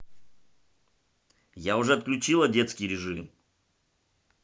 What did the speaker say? я уже отключила детский режим